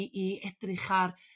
i i edrych ar